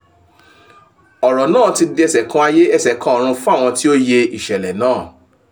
Ọ̀rọ̀ náà ti di ẹsẹ̀ kan ayé, ẹsẹ̀ kan ọrun fún àwọn tí ó yé ìṣẹ̀lẹ̀ náà.